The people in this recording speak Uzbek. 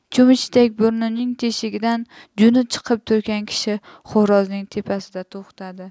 cho'michdek burnining teshigidan juni chiqib turgan kishi xo'rozning tepasida to'xtadi